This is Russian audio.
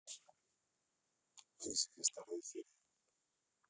фиксики старые серии